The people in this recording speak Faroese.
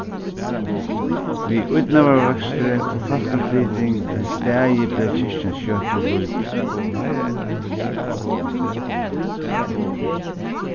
við ídnaðarvøkstri og fólkaflyting til staðið bleiv kirkjan skjótt ov lítil